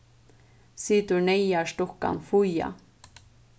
situr neyðars dukkan fía